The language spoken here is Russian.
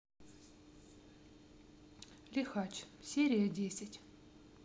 лихач серия десять